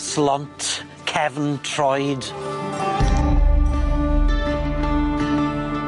Slont, cefn, troed.